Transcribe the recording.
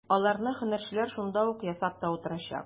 Аларны һөнәрчеләр шунда ук ясап та утырачак.